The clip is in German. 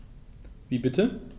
Wie bitte?